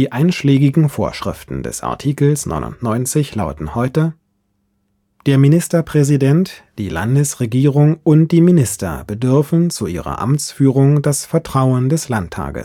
einschlägigen Vorschriften des Artikels 99 lauten heute: Der Ministerpräsident, die Landesregierung und die Minister bedürfen zu ihrer Amtsführung des Vertrauens des Landtags. Sie